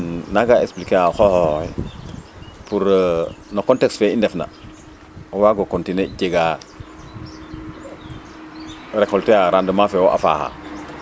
kon o nanga expliquer a o qooxoox oxe pour na contexte fe i ndefna o waag o continuer jegaa recolter a rendement fe wo' a faaxa